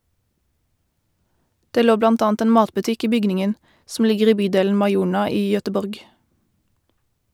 Det lå blant annet en matbutikk i bygningen, som ligger i bydelen Majorna i Göteborg.